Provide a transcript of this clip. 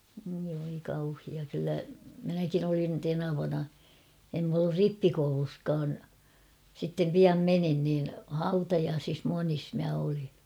oi voi kauhea kyllä minäkin olin tenavana en minä ollut rippikoulussakaan sitten pian menin niin hautajaisissa monissa minä olin